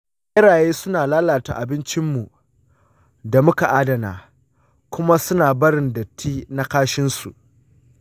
ɓeraye suna lalata abincinmu da muka adana kuma suna barin datti na kashinsu.